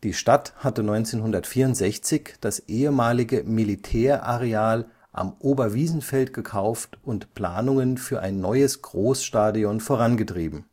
Stadt hatte 1964 das ehemalige Militärareal am Oberwiesenfeld gekauft und Planungen für ein neues Großstadion vorangetrieben